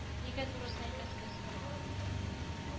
Нигә турысын әйтмәскә соң